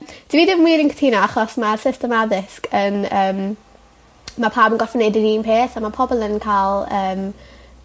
Dwi ddim wir yn cytuno achos ma'r system addysg yn yym ma' pawb yn gorffod neud yr un peth a ma' pobol yn ca'l yym